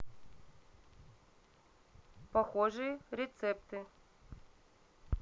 похожие рецепты